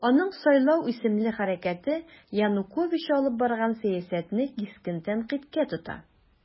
Аның "Сайлау" исемле хәрәкәте Янукович алып барган сәясәтне кискен тәнкыйтькә тота.